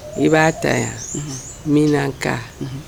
I b'a ta yan , unhun, min na ka